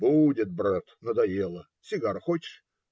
Будет, брат, надоело. Сигару хочешь?